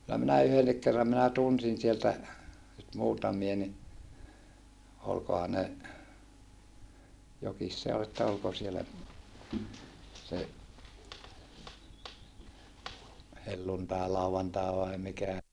kyllä minä yhdenkin kerran minä tunsin sieltä nyt muutamia niin olikohan ne jokin se oli että oliko siellä se helluntailauantai vai mikä